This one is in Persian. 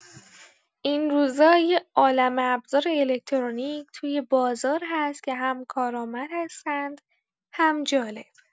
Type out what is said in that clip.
این روزا یه عالمه ابزار الکترونیک توی بازار هست که هم کارامد هستن هم جالب.